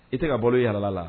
I tɛ ka bɔ yalala la